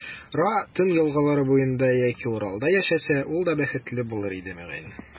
Ра, Тын елгалары буенда яки Уралда яшәсә, ул да бәхетле булыр иде, мөгаен.